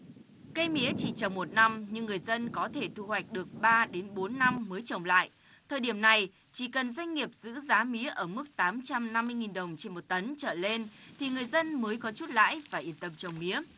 cây mía chỉ trồng một năm nhưng người dân có thể thu hoạch được ba đến bốn năm mới trồng lại thời điểm này chỉ cần doanh nghiệp giữ giá mía ở mức tám trăm năm mươi nghìn đồng trên một tấn trở lên thì người dân mới có chút lãi và yên tâm trồng mía